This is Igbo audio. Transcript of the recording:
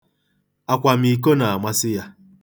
Akwamiko na-amasị ya.